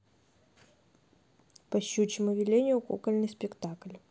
по щучьему велению кукольный спектакль